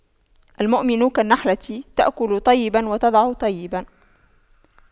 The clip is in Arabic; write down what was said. المؤمن كالنحلة تأكل طيبا وتضع طيبا